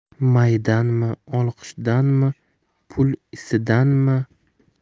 maydanmi olqishdanmi pul isidanmi